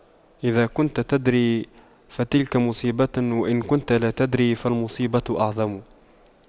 إذا كنت تدري فتلك مصيبة وإن كنت لا تدري فالمصيبة أعظم